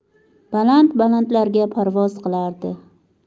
baland balandlarga parvoz qilardi